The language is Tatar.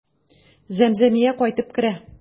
Зәмзәмия кайтып керә.